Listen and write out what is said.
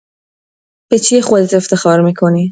به چیه خودت افتخار می‌کنی؟